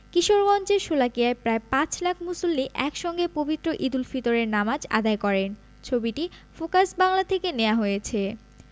কিশোরগঞ্জের শোলাকিয়ায় প্রায় পাঁচ লাখ মুসল্লি একসঙ্গে পবিত্র ঈদুল ফিতরের নামাজ আদায় করেন ছবিটি ফোকাস বাংলা থেকে নেয়া হয়েছে